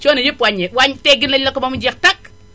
coono yépp wàññee wàñ teggil nañu la ko ba mu jex tàq